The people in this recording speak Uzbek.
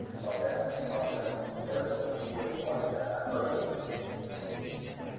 aks holda xotini ikkala ko'zini o'yib olishdan ham toymaydi